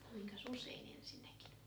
kuinkas usein ensinnäkin